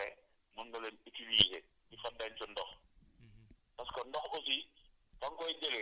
nañ leen raxas ba ñu set kooku soo ko defee ba pare mën nga leen utiliser ci sa denc ndox